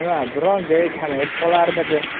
biron joyi kamayib qolarmidi